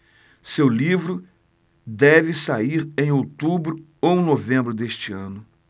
seu livro deve sair em outubro ou novembro deste ano